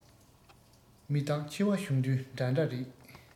མི རྟག འཆི བ བྱུང དུས འདྲ འདྲ རེད